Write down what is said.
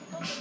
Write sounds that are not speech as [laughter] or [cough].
[hesitation] [hesitation]